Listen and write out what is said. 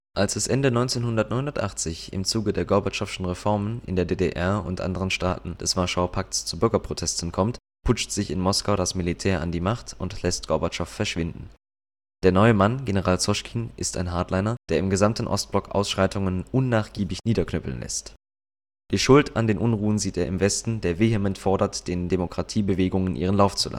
Als es Ende 1989, im Zuge der Gorbatschowschen Reformen, in der DDR und anderen Staaten des Warschauer Pakts zu Bürgerprotesten kommt, putscht sich in Moskau das Militär an die Macht und lässt Gorbatschow verschwinden. Der neue Mann, General Soschkin, ist ein Hardliner, der im gesamten Ostblock Ausschreitungen unnachgiebig niederknüppeln lässt. Die Schuld an den Unruhen sieht er im Westen, der vehement fordert, den Demokratiebewegungen ihren Lauf zu